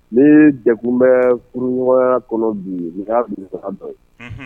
Ni jɛkun bɛ furuurunɲɔgɔnya kɔnɔ bi nin'a misa ba ye